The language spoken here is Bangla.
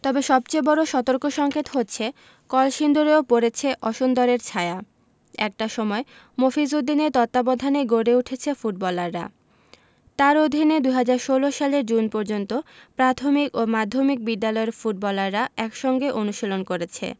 তবে সবচেয়ে বড় সতর্কসংকেত হচ্ছে কলসিন্দুরেও পড়েছে অসুন্দরের ছায়া একটা সময় মফিজ উদ্দিনের তত্ত্বাবধানেই গড়ে উঠেছে ফুটবলাররা তাঁর অধীনে ২০১৬ সালের জুন পর্যন্ত প্রাথমিক ও মাধ্যমিক বিদ্যালয়ের ফুটবলাররা একসঙ্গে অনুশীলন করেছে